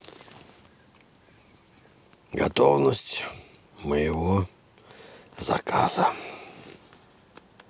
готовность моего заказа